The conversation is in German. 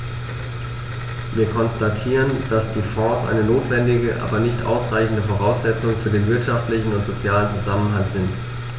Wir konstatieren, dass die Fonds eine notwendige, aber nicht ausreichende Voraussetzung für den wirtschaftlichen und sozialen Zusammenhalt sind.